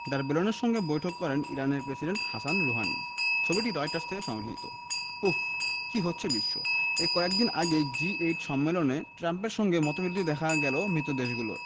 der বেলেনের সঙ্গে বৈঠক করেন ইরানের প্রেসিডেন্ট হাসান রুহানি ছবিটি রয়টার্স থেকে সংগৃহীত উফ্ কী হচ্ছে বিশ্ব এই কয়েক দিন আগেই জি এইট সম্মেলনে ট্রাম্পের সঙ্গে মতবিরোধ দেখা গেল মিত্রদেশগুলোর